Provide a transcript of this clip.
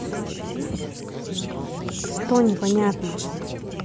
что непонятно